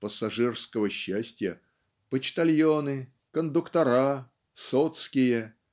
пассажирского счастья" почтальоны кондуктора сотские